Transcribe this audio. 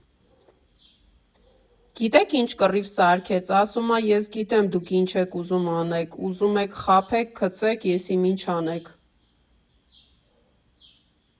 Գիտե՞ս ինչ կռիվ սարքեց, ասում ա՝ ես գիտեմ դուք ինչ եք ուզում անեք, ուզում եք խաբեք, գցեք, եսիմինչ անեք։